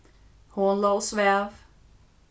hon lá og svav